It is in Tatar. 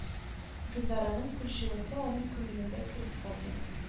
Гөлнараның кул җылысы аның күңелендә кереп калды